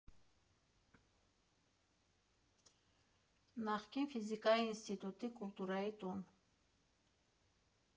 Նախկին Ֆիզիկայի ինստիտուտի «Կուլտուրայի տուն»